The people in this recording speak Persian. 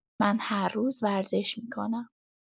من هر روز ورزش می‌کنم.